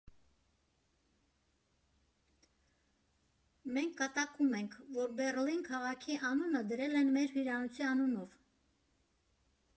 Մենք կատակում ենք, որ Բեռլին քաղաքի անունը դրել են մեր հյուրանոցի անունով։